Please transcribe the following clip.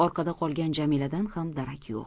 orqada qolgan jamiladan ham darak yo'q